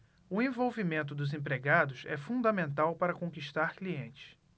o envolvimento dos empregados é fundamental para conquistar clientes